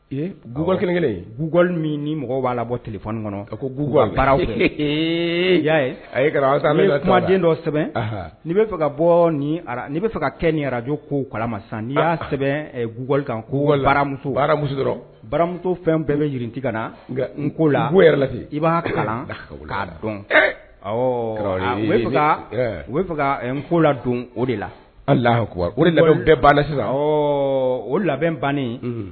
Ee buguwa kelen buwa min ni mɔgɔ b'a la bɔ tilef kɔnɔ kowa y'a a kumaden dɔ sɛbɛn ni'i fɛ ka bɔ ara ni fɛ ka kɛ ni araj ko kala masa n ni'a sɛbɛn kan komuso baramuso baramuso fɛn bɛɛ bɛ jururinti ka na n ko la yɛrɛ i b'a kalan k'a dɔn u fɛ n ko la don o de la la o de labɛn bɛɛ bala la sisan ɔ o labɛn bannen